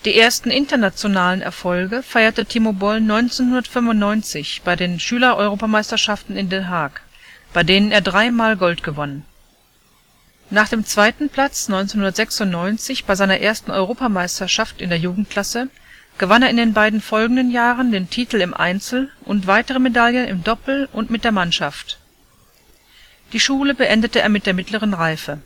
ersten internationalen Erfolge feierte Timo Boll 1995 bei den Schüler-Europameisterschaften in Den Haag, bei denen er drei Mal Gold gewann. Nach dem zweiten Platz 1996 bei seiner ersten EM in der Jugendklasse, gewann er in den beiden folgenden Jahren den Titel im Einzel und weitere Medaillen im Doppel und mit der Mannschaft. Die Schule beendete er mit der Mittleren Reife